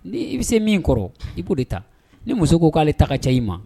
I bɛ se min kɔrɔ i b'o de ta ni muso ko k'ale taga caya i ma